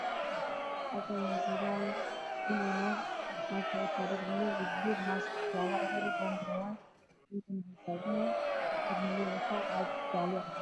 Hal kan waxaa taagan nin iyo naag